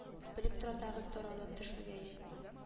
Белеп тора тагын таралып төшмәгәе